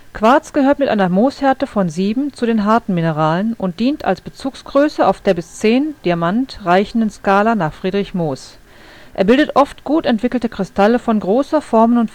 Quarz gehört mit einer Mohshärte von 7 zu den harten Mineralen und dient als Bezugsgröße auf der bis 10 (Diamant) reichenden Skala nach Friedrich Mohs. Er bildet oft gut entwickelte Kristalle von großer Formen